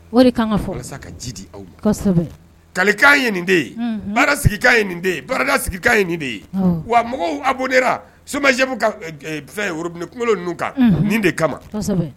O ka ji di kalikan ye nin den baara sigikan ye nin baara sigikan nin de ye wa mɔgɔw a bon ne sobajɛ kunkolo ninnu kan nin de kama